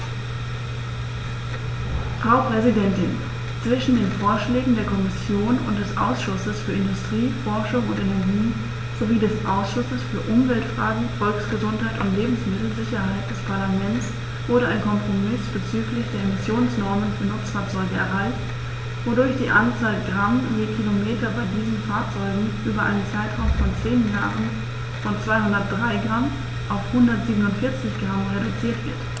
Frau Präsidentin, zwischen den Vorschlägen der Kommission und des Ausschusses für Industrie, Forschung und Energie sowie des Ausschusses für Umweltfragen, Volksgesundheit und Lebensmittelsicherheit des Parlaments wurde ein Kompromiss bezüglich der Emissionsnormen für Nutzfahrzeuge erreicht, wodurch die Anzahl Gramm je Kilometer bei diesen Fahrzeugen über einen Zeitraum von zehn Jahren von 203 g auf 147 g reduziert wird.